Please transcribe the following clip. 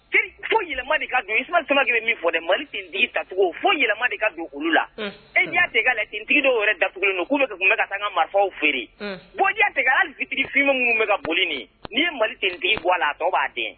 fo yɛlɛma de ka don Ismayɛl Samake bɛ min fɔ dɛ Mali teni tigi tacogo fo yɛlɛma de ka don olu la unhun ee n'i y'a ta ika lajɛ teni tigi dɔw yɛrɛ datugulen don kolu de tun bɛ ka taa anka marifaw feere unhun bon n'i y'a ta kɛ hali vitre fumée minnu bɛ ka boli nin ye n'i ye Mali teni tigi bɔ a la a tɔ b'a dɛn